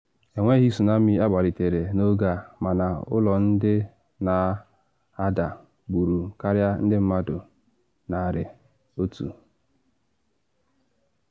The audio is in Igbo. Enweghị tsunami akpalitere n’oge a, mana ụlọ ndị na ada gburu karịa ndị mmadụ 100.